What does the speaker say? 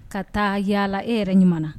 Ka taa yaala e yɛrɛ ɲuman